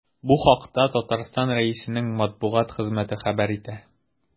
Бу хакта Татарстан Рәисенең матбугат хезмәте хәбәр итә.